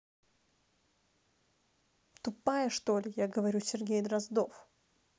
тупая что ли я говорю сергей дроздов